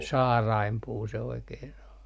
saarainpuu se oikein on